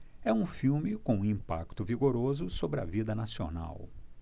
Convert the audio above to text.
é um filme com um impacto vigoroso sobre a vida nacional